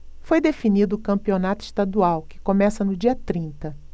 foi definido o campeonato estadual que começa no dia trinta